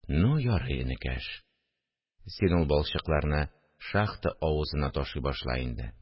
– ну, ярый, энекәш, син ул балчыкларны шахта авызына ташый башла инде